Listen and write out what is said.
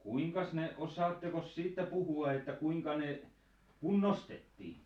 kuinkas ne osaattekos siitä puhua että kuinka ne kunnostettiin